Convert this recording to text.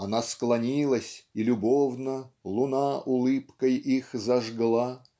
Она склонилась и любовно Луна улыбкой их зажгла